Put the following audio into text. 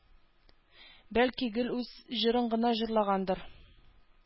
Бәлки, гел үз җырын гына җырлагандыр